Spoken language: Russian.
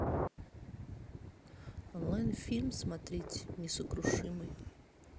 онлайн фильм смотреть несокрушимый